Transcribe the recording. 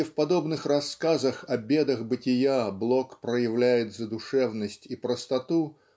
где в подобных рассказах о бедах бытия Блок проявляет задушевность и простоту